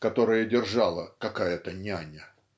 которое держала "какая-то няня".